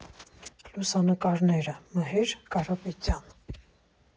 Լուսանկարները՝ Մհեր Կարապետյան։